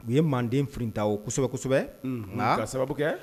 U ye manden frintan o kosɛbɛ nka ara sababu kɛ